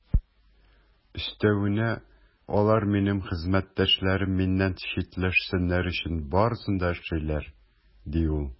Өстәвенә, алар хезмәттәшләрем миннән читләшсеннәр өчен барысын да эшлиләр, - ди ул.